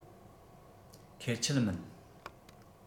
ཁེར ཆད མིན